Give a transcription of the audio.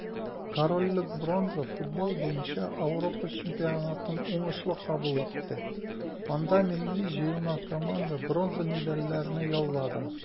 Корольлек бронза футбол буенча Ауропа чемпионатын уңышлы кабул итте, анда милли җыелма команда бронза медальләрне яулады.